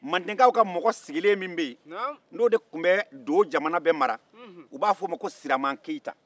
mandenkaw ka mɔgɔ sigilen min bɛ yen n'o de tun bɛ do jamana bɛɛ mara u b'a fo o ma ko siraman keyita